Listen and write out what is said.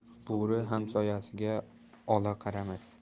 bo'ri hamsoyasiga ola qaramas